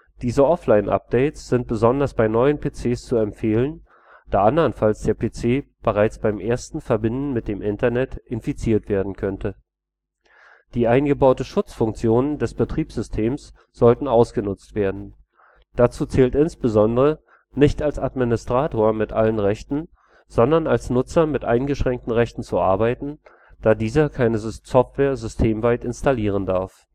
Diese Offline-Updates sind besonders bei neuen PCs zu empfehlen, da andernfalls der PC bereits beim ersten Verbinden mit dem Internet infiziert werden könnte. Die eingebauten Schutzfunktionen des Betriebssystems sollten ausgenutzt werden. Dazu zählt insbesondere, nicht als Administrator mit allen Rechten, sondern als Nutzer mit eingeschränkten Rechten zu arbeiten, da dieser keine Software systemweit installieren darf